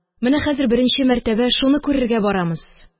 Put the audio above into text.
Менә хәзер беренче мәртәбә шуны күрергә барамыз.